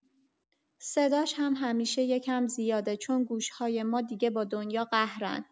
صداش هم همیشه یه کم زیاده، چون گوش‌های ما دیگه با دنیا قهرن.